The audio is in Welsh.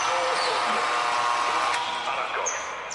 Doors open. Drws ar agor.